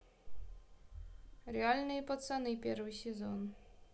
реальные пацаны первый сезон